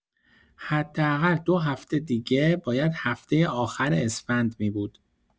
حداقل دوهفته دیگه باید هفتۀ آخر اسفند می‌بود.